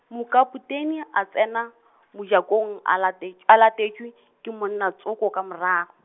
mokapotene a tsena, mojakong a latetš-, a latetšwe, ke monnatsoko ka morago.